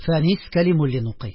Фәнис Кәримуллин укый.